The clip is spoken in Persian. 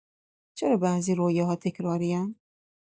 چرا بعضی رویاها تکراری‌ان؟